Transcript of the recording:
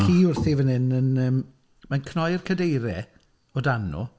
Ci wrthi'n fan hyn yn yym... mae hi'n cnoi'r cadeiriau, o dan nhw...